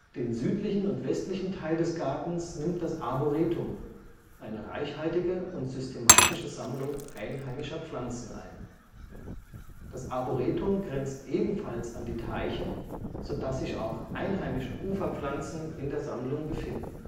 Den südlichen und westlichen Teil des Gartens nimmt das Arboretum, eine reichhaltige und systematische Sammlung einheimischer Pflanzen, ein. Das Arboretum grenzt ebenfalls an die Teiche, sodass sich auch einheimische Uferpflanzen in der Sammlung befinden